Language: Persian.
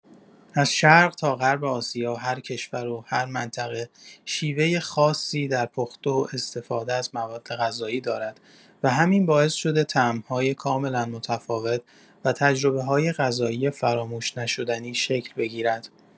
از شرق تا غرب آسیا، هر کشور و هر منطقه شیوه خاصی در پخت و استفاده از موادغذایی دارد و همین باعث شده طعم‌های کاملا متفاوت و تجربه‌های غذایی فراموش‌نشدنی شکل بگیرد.